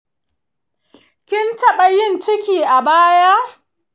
kin taɓa yin ciki a baya?